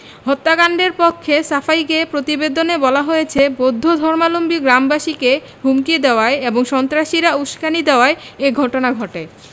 হত্যাকাণ্ডের পক্ষে সাফাই গেয়ে প্রতিবেদনে বলা হয়েছে বৌদ্ধ ধর্মাবলম্বী গ্রামবাসীকে হুমকি দেওয়ায় এবং সন্ত্রাসীরা উসকানি দেওয়ায় এ ঘটনা ঘটে